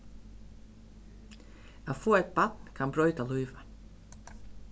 at fáa eitt barn kann broyta lívið